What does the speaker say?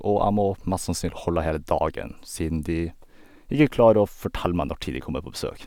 Og jeg må mest sannsynlig holde av hele dagen siden de ikke klarer å fortelle meg når tid de kommer på besøk.